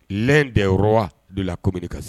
de owa donna la kɔmim ka